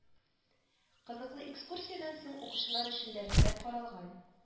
Кызыклы экскурсиядән соң, укучылар өчен дәресләр каралган